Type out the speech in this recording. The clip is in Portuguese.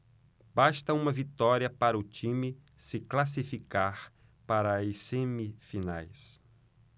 basta uma vitória para o time se classificar para as semifinais